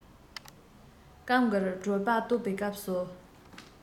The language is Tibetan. སྐབས འགར གྲོད པ ལྟོགས པའི སྐབས སུ